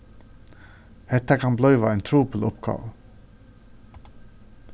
hetta kann blíva ein trupul uppgáva